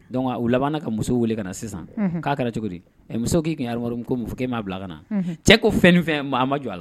Dɔnku u laban ka muso wele ka na sisan k'a kɛra cogo ɛ muso k'i ka ha ko' fɔ k'i m'a bila ka na cɛ ko fɛn fɛn mɔgɔ a ma jɔ a la